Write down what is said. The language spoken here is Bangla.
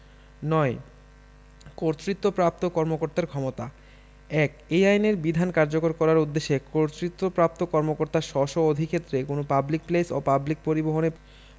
৯ কর্তৃত্বপ্রাপ্ত কর্মকর্তার ক্ষমতাঃ ১ এই আইনের বিধান কার্যকর করার উদ্দেশ্যে কর্তৃত্বপ্রাপ্ত কর্মকর্তা স্ব স্ব অধিক্ষেত্রে কোন পাবলিক প্লেস ও পাবলিক পরিবহণে